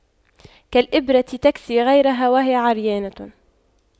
كالإبرة تكسي غيرها وهي عريانة